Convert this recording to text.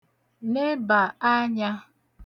nebà anyā